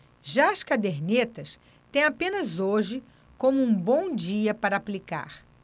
já as cadernetas têm apenas hoje como um bom dia para aplicar